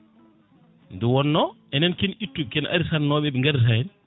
nde wonno enen ken ittuɓe ken aritannoɓe ɓe garitani